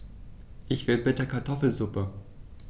Ich will bitte Kartoffelsuppe.